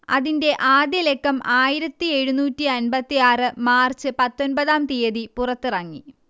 അതിന്റെ ആദ്യലക്കം ആയിരത്തിയെഴുന്നൂറ്റിയൻപത്തിയാറ് മാർച്ച് പത്തൊൻപതാം തീയതി പുറത്തിറങ്ങി